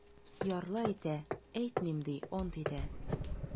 Ярлы әйтә: - әйтмим, - ди, ант итә.